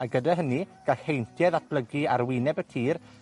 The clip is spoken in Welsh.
A gyda hynny, gall heintie ddatblygu ar wyneb y tir,